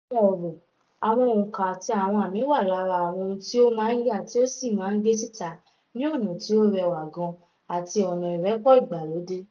Àwọn ọ̀rọ̀, àwọn onka, àti àwọn ààmì wà lára àwọn ohun tí o máa yà tí o sì máa gbé síta ní ọ̀nà tí ó rẹwà gan-an àti ọ̀nà ìrẹ́pọ̀ ìgbàlódé.